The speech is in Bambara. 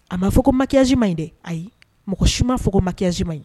A b maa fɔ ko ma kɛi ma in dɛ ayi mɔgɔ si ma fɔ ma kɛsii ɲi